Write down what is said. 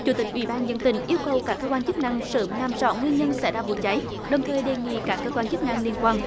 chủ tịch ủy ban dân tỉnh yêu cầu các cơ quan chức năng sớm làm rõ nguyên nhân xảy ra vụ cháy đồng thời đề nghị các cơ quan chức năng liên quan